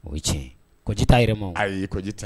O tiɲɛ koji ta yɛrɛ ma ayi y yeji ta